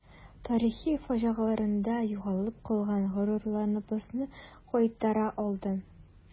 Тарих фаҗигаларында югалып калган горурлыгыбызны кайтара алды.